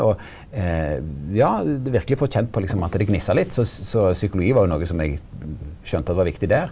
og ja verkeleg fått kjent på liksom at det gnissa litt så så psykologi var jo noko som eg skjønte at var viktig der.